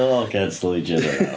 They'll all cancel each other out